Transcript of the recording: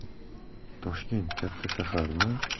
toshkent katta shaharmi